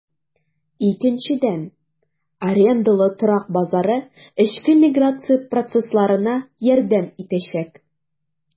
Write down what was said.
Икенчедән, арендалы торак базары эчке миграция процессларына ярдәм итәчәк.